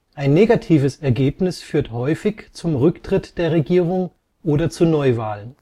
Ein negatives Ergebnis führt häufig zum Rücktritt der Regierung oder zu Neuwahlen